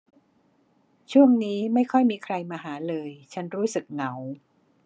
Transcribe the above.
ช่วงนี้ไม่ค่อยมีใครมาหาเลยฉันรู้สึกเหงา